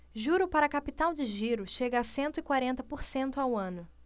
juro para capital de giro chega a cento e quarenta por cento ao ano